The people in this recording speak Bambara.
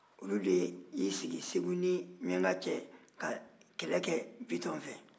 olu de y'i sigi segu ni miɲankala cɛ ka kɛlɛ kɛ bitɔn fɛ